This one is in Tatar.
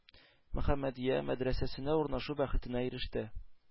-мөхәммәдия, мәдрәсәсенә урнашу бәхетенә ирешә.